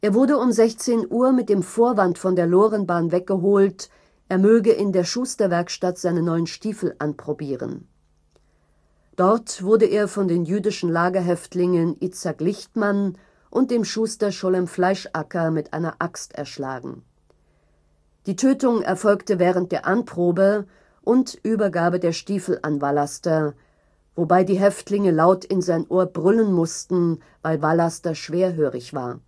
wurde um 16 Uhr mit dem Vorwand von der Lorenbahn weggeholt, er möge in der Schusterwerkstatt seine neuen Stiefel anprobieren. Dort wurde er von den jüdischen Lagerhäftlingen Itzhak Lichtman und dem Schuster Scholem Fleischacker mit einer Axt erschlagen. Die Tötung erfolgte während der Anprobe und Übergabe der Stiefel an Vallaster, wobei die Häftlinge laut in sein Ohr „ brüllen “mussten, weil Vallaster schwerhörig war